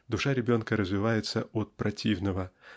Душа ребенка развивается "от противного"